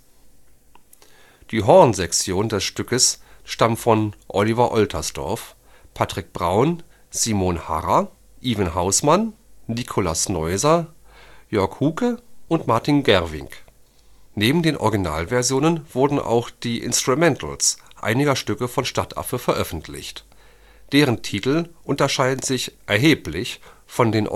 Die Horn-Sektion des Stückes stammt von Oliver Oltersdorf, Patrick Braun, Simon Harrer, Iven Hausmann, Nikolaus Neuser, Jörg Huke und Martin Gerwig. Neben den Originalversionen wurden auch die Instrumentals einiger Stücke von Stadtaffe veröffentlicht. Deren Titel unterscheiden sich erheblich von den